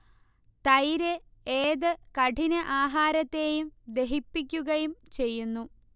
തൈര് ഏത് കഠിന ആഹാരത്തെയും ദഹിപ്പിക്കുകയും ചെയ്യുന്നു